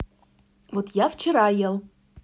вот я вчера ел